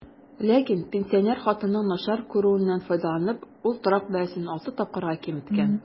Ләкин, пенсинер хатынның начар күрүеннән файдаланып, ул торак бәясен алты тапкырга киметкән.